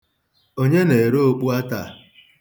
Onye na-ere okpuata a?